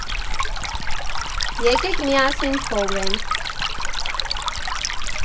Եկեք միասին խորհենք…